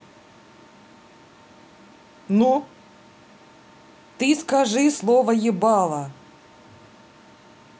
ну ты скажи слово ебала